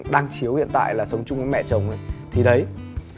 đang chiếu hiện tại là sống chung với mẹ chồng ấy thì đấy